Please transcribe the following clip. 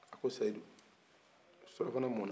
a ko sedu surafana mɔna